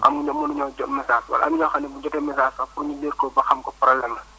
amn na ñëpp mënuñoo jot message wala ñi nga xam ne bu jotee message sax pour ñu lire ko ba xam ko problème la